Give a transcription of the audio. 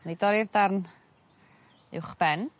'nai dorri'r darn uwch ben